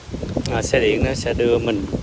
ờ xe điện á sẽ đưa mình